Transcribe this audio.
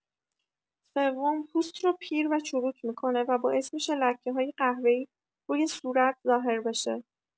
سوم، پوست رو پیر و چروک می‌کنه و باعث می‌شه لکه‌های قهوه‌ای روی صورت ظاهر بشه.